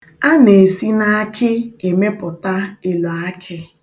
A na-esi n'akị emepụta eloakị.